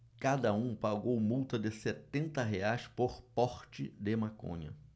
cada um pagou multa de setenta reais por porte de maconha